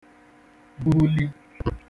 bùli